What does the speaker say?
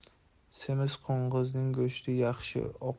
semiz qo'zining go'shti